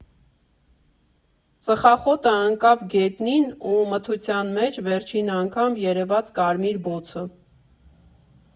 Ծխախոտը ընկավ գետնին ու մթության մեջ վերջին անգամ երևաց կարմիր բոցը։